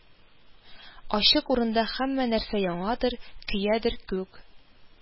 Ачык урында һәммә нәрсә янадыр, көядер күк